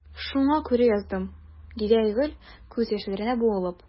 Шуңа күрә яздым,– диде Айгөл, күз яшьләренә буылып.